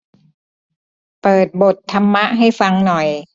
เปิดบทธรรมะให้ฟังหน่อย